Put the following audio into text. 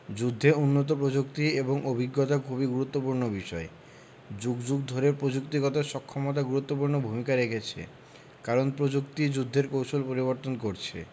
যুদ্ধে উন্নত প্রযুক্তি এবং অভিজ্ঞতা খুবই গুরুত্বপূর্ণ বিষয় যুগ যুগ ধরেই প্রযুক্তিগত সক্ষমতা গুরুত্বপূর্ণ ভূমিকা রেখেছে কারণ প্রযুক্তিই যুদ্ধের কৌশল পরিবর্তন করছে